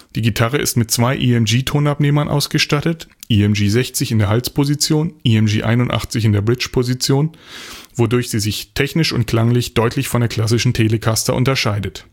Gitarre ist mit zwei EMG-Tonabnehmern ausgestattet (EMG 60 in der Halsposition; EMG 81 in der Bridgeposition), wodurch sie sich technisch und klanglich deutlich von der klassischen Telecaster unterscheidet